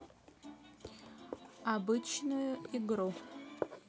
обычную игру